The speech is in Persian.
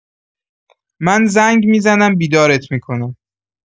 من زنگ می‌زنم بیدارت می‌کنم.